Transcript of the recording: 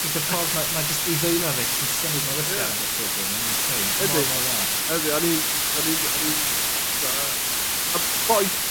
Jyst y ffordd ma' ma' jyst ei ddwylo fe jyst yn symud mor ysgafn... Ie. ...dros pob dim ma'n insane. Ydi. Mor mor dda. Ydi o'n i'n o'n i'n o'n i'n t'mo'? Yy a b- boi